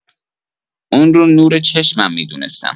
اون رو نور چشمم می‌دونستم.